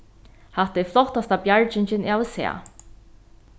hatta er flottasta bjargingin eg havi sæð